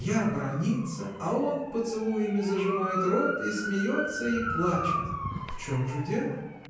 Я браниться, а он поцелуями зажимает рот, и смеется, и плачет. — В чем же дело?